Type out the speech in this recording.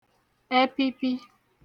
ẹpipi